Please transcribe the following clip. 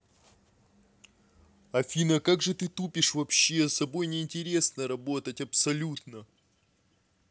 афина как же ты тупишь вообще собой неинтересно работать абсолютно